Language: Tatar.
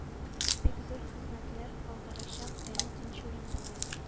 Бик зур хезмәтләр калдырачак кәрим тинчурин була.